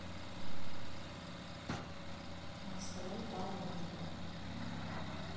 настрой поломку